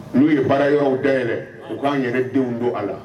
N'u ye baara yɔrɔw day u k'an yɛrɛ denw don a la